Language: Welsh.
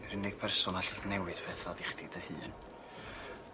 Yr unig person allith newid patha 'di chdi dy hun.